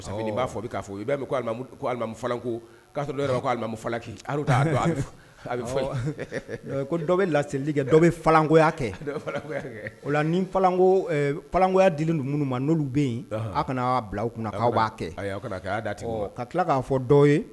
'a fɔ' i bɛ'a dɔ bɛ laselili dɔ bɛkɔya kɛgoya di minnu ma n'olu bɛ yen a kana'a bila kunna'a tila k'a fɔ dɔw ye